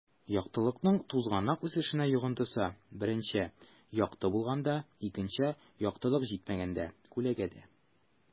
Яктылыкның тузганак үсешенә йогынтысы: 1 - якты булганда; 2 - яктылык җитмәгәндә (күләгәдә)